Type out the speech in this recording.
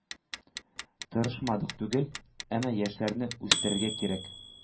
Тырышмадык түгел. Әмма яшьләрне үстерергә кирәк.